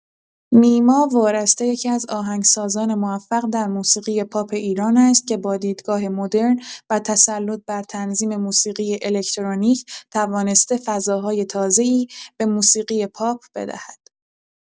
نیما وارسته یکی‌از آهنگسازان موفق در موسیقی پاپ ایران است که با دیدگاه مدرن و تسلط بر تنظیم موسیقی الکترونیک، توانسته فضاهای تازه‌ای به موسیقی پاپ بدهد.